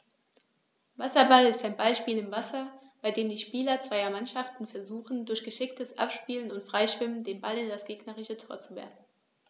Wasserball ist ein Ballspiel im Wasser, bei dem die Spieler zweier Mannschaften versuchen, durch geschicktes Abspielen und Freischwimmen den Ball in das gegnerische Tor zu werfen.